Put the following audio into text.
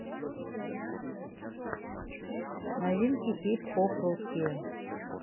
новинки хип хоп русские